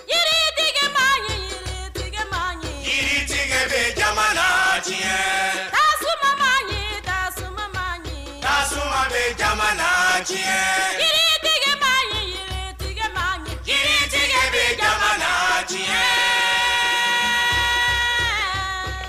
Yiritigiba ye yiritigi ma ɲi jiri jɛgɛ bɛ jama cɛ tababag ta mag jaba bɛ jama cɛ jiritigiba yejitigi ma min j jɛgɛ bɛ jamada cɛ